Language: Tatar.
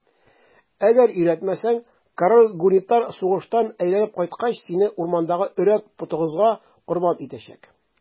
Әгәр өйрәтмәсәң, король Гунитар сугыштан әйләнеп кайткач, сине урмандагы Өрәк потыгызга корбан итәчәк.